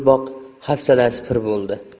ko'riboq hafsalasi pir bo'ldi